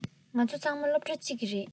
ང ཚོ ཚང མ སློབ གྲྭ གཅིག གི རེད